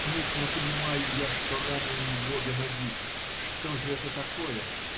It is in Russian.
Смутно понимаю я, что ранен в обе ноги. Что ж это такое?